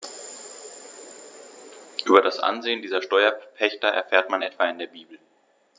Über das Ansehen dieser Steuerpächter erfährt man etwa in der Bibel.